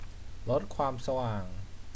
ลดความสว่าง